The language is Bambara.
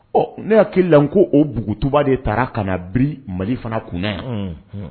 Ɔ ne y hakili la ko o bugutuba de taara ka na bi mali fana kun